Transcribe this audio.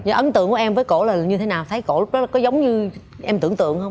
và ấn tượng của em với cổ là như thế nào thấy cổ lúc đó có giống như em tưởng tượng không